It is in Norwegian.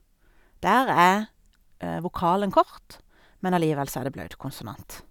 Der er vokalen kort, men allikevel så er det blaut konsonant.